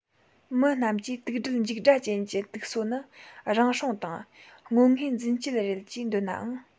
མི རྣམས ཀྱིས དུག སྦྲུལ མཇུག སྒྲ ཅན གྱི དུག སོ ནི རང སྲུང དང རྔོན དངོས འཛིན སྤྱད རེད ཅེས འདོད ནའང